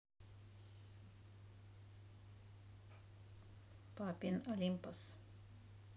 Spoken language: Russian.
папин олимпос